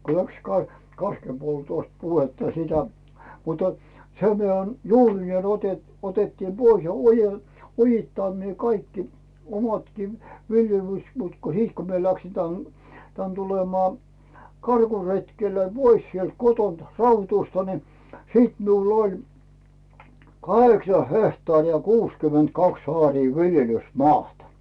kun lähti - kaskenpoltosta puhetta sitä mutta sen mitä juurineen - otettiin pois ja - ojittaneet kaikki omatkin - mutta kun sitten kun minä lähdin tänne tänne tulemaan karkuretkelle pois sieltä kotoa Raudusta niin sitten minulla oli kahdeksan hehtaaria ja kuusikymmentä kaksi aaria viljelysmaata